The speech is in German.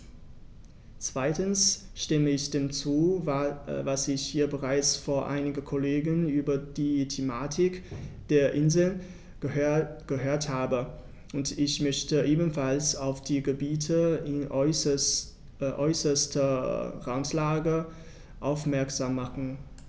Zweitens stimme ich dem zu, was ich hier bereits von einem Kollegen über die Thematik der Inseln gehört habe, und ich möchte ebenfalls auf die Gebiete in äußerster Randlage aufmerksam machen.